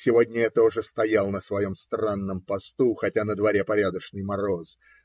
Сегодня я тоже стоял на своем странном посту, хотя на дворе порядочный мороз.